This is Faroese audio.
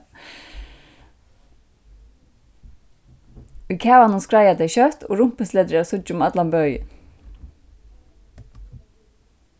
í kavanum skreiða tey skjótt og rumpusletur eru at síggja um allan bøin